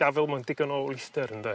gafel mewn digon o wlithder ynde?